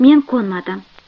men ko'nmadim